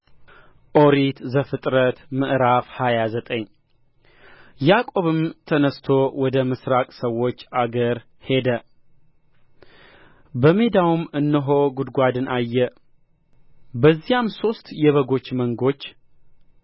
ኦሪት ዘፍጥረት ምዕራፍ ሃያ ዘጠኝ ያዕቆብም ተነሥቶ ወደ ምሥራቅ ሰዎች አገር ሄደ በሜዳውም እነሆ ጕድጓድን አየ በዚያም ሦስት የበጎች መንጎች